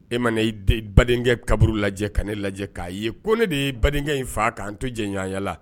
E mana i badenkɛ kaburu lajɛ ka ne lajɛ k'a ye ko ne de ye badenkɛ in fa k'an to jɛɲɔgɔnya la